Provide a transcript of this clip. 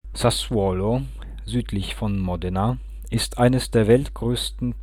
Sassuolo, südlich von Modena, ist eines der weltgrößten